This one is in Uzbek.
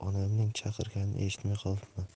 onamning chaqirganini eshitmay qolibman